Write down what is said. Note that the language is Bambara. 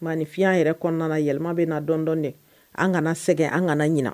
Maa ni fi yɛrɛ kɔnɔna yɛlɛma bɛ na dɔndɔ de an kana segin an kana ɲin